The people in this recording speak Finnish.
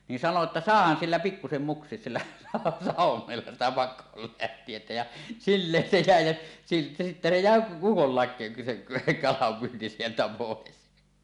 niin sanoi että saahan sillä pikkuisen muksia sillä sauvoimella sitä pakoon lähtijää ja silleen se jäi ja ja sitten se jäi ukollakin se kalanpyynti sieltä pois